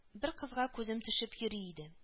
Бер кызга күзем төшеп йөри иде